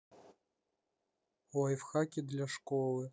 лайфхаки для школы